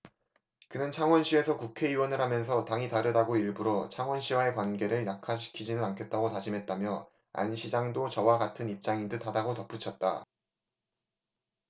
그는 창원시에서 국회의원을 하면서 당이 다르다고 일부러 창원시와의 관계를 악화시키지는 않겠다고 다짐했다며 안 시장도 저와 같은 입장인 듯 하다고 덧붙였다